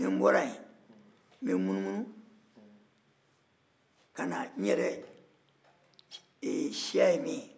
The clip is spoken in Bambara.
ni n bɔra ye n bɛ n munumunu ka na n yɛrɛ siya ye min ye